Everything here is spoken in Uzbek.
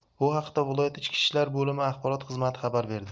bu haqda viloyat ichki ishlar bolimi axborot xizmati xabar berdi